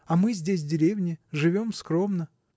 а мы здесь в деревне: живем скромно.